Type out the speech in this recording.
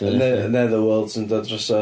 Y ne- nether worlds yn dod drosodd...